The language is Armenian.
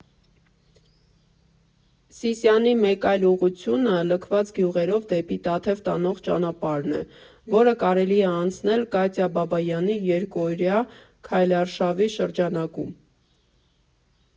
Սիսիանի մեկ այլ ուղղությունը լքված գյուղերով դեպի Տաթև տանող ճանապարհն է, որը կարելի է անցնել Կատյա Բաբայանի երկօրյա քայլարշավի շրջանակում։